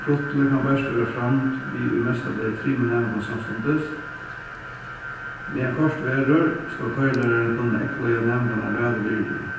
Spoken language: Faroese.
prutli kann bert verða framd við í mesta lagi trimum næmingum samstundis meðan koyrt verður skal koyrilærarin kunna eygleiða næmingarnar væl og virðiliga